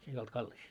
se ei ollut kallis